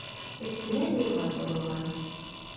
Өстемә юрган ябылган.